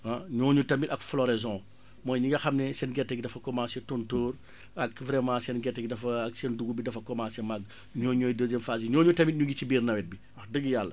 ah ñooñu tamit ak floraison mooy ñi nga xam ne seen gerte gi dafa commencer tóotóor ak vraiment seen gerte gi dafa ak seen dugub bi dafa commencer màgg ñooñu ñooy deuxième phase bi ñooñu tamit ñu ngi ci biir nawet bi wax dëgg Yàlla